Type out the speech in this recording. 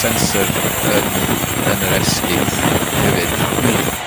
sensor yn, yn yr esgid hefyd. Hmm.